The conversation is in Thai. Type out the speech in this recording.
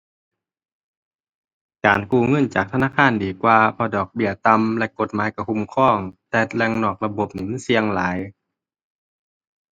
การกู้เงินจากธนาคารดีกว่า เพราะดอกเบี้ยต่ำและกฎหมายก็คุ้มครอง แต่แหล่งนอกระบบนี้มันเสี่ยงหลาย